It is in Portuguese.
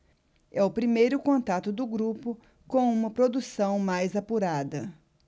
é o primeiro contato do grupo com uma produção mais apurada